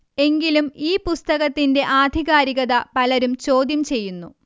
എങ്കിലും ഈ പുസ്തകത്തിന്റെ ആധികാരികത പലരും ചോദ്യം ചെയ്തു